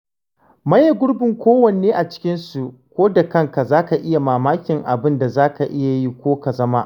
Maye gurbin kowanne a cikinsu ko da kanka zaka yi mamakin abin da za ka yi ko ka zama